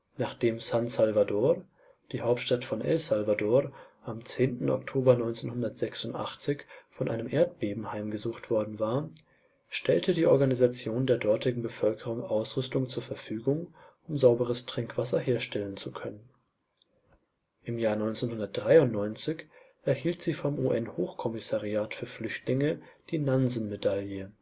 Nachdem San Salvador, die Hauptstadt von El Salvador, am 10. Oktober 1986 von einem Erdbeben heimgesucht worden war, stellte sie der dortigen Bevölkerung Ausrüstung zur Verfügung, um sauberes Trinkwasser herstellen zu können. Im Jahre 1993 erhielt die Organisation vom UN-Hochkommissariat für Flüchtlinge die Nansen-Medaille